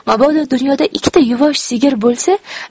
mabodo dunyoda ikkita yuvosh sigir bo'lsa